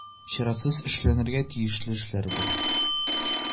Чиратсыз эшләнергә тиешле эшләр бу